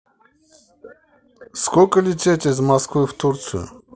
сколько лететь из москвы в турцию